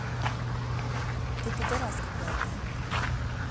ты пидараска платная